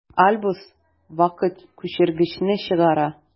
Альбус вакыт күчергечне чыгара.